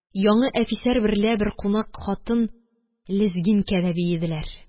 Яңы әфисәр берлә бер кунак хатын лезгинкә дә биеделәр.